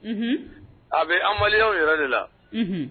Unhun a bɛ anbaliya yɛrɛ de la